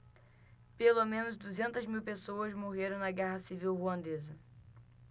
pelo menos duzentas mil pessoas morreram na guerra civil ruandesa